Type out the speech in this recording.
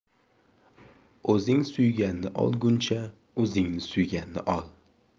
o'zing suyganni olguncha o'zingni suyganni ol